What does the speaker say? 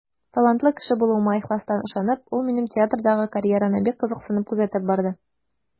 Талантлы кеше булуыма ихластан ышанып, ул минем театрдагы карьераны бик кызыксынып күзәтеп барды.